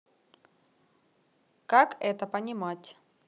как это понимать